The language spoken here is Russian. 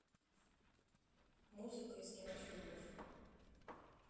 музыка из кинофильмов